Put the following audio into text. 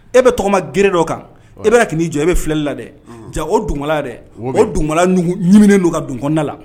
E bɛ tɔgɔ ma g dɔ kan e bɛ k'i jɔ i e bɛ filɛli la dɛ ja o dunkala dɛ o don don ka donɔnda la